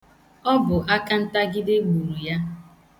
Ọ bụ akantagide gburu ya.